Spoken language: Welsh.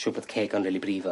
Siŵr bod ceg o'n rili brifo.